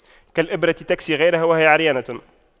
كالإبرة تكسي غيرها وهي عريانة